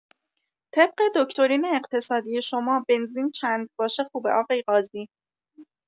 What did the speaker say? طبق دکترین اقتصادی شما بنزین چند باشه خوبه آقای قاضی؟